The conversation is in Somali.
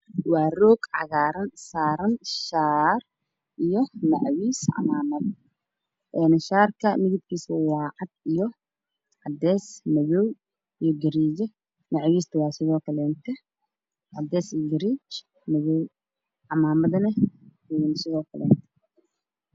Waa roog cagaaran saaran shaar cadan iyo cimaamad buluug ah